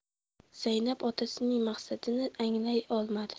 zaynab otasining maqsadini anglay olmadi